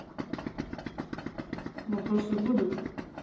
вопросы будут